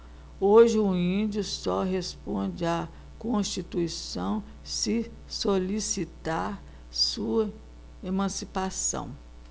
hoje o índio só responde à constituição se solicitar sua emancipação